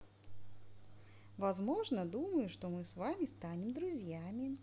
возможно думаю что мы с вами станем друзьями